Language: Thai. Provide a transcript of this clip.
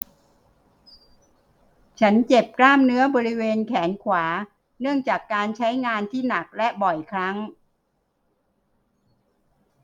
ฉันเจ็บกล้ามเนื้อบริเวณแขนขวาเนื่องจากการใช้งานที่หนักและบ่อยครั้ง